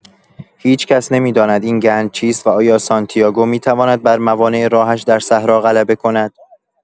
هیچ‌کس نمی‌داند این گنج چیست و آیا سانتیاگو می‌تواند بر موانع راهش در صحرا غلبه کند؟